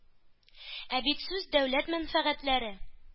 Ә бит сүз дәүләт мәнфәгатьләре